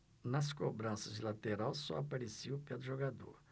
nas cobranças de lateral só aparecia o pé do jogador